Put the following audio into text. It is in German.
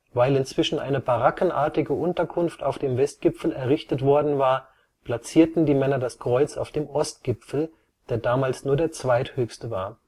Weil inzwischen eine barackenartige Unterkunft auf dem Westgipfel errichtet worden war, platzierten die Männer das Kreuz auf dem Ostgipfel, der damals nur der zweithöchste war